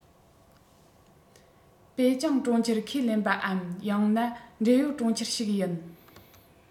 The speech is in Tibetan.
པེ ཅིང གྲོང ཁྱེར ཁས ལེན པའམ ཡང ན འབྲེལ ཡོད གྲོང ཁྱེར ཞིག ཡིན